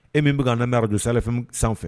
E min bɛ ka an lamɛn radio sahel FM sanfɛ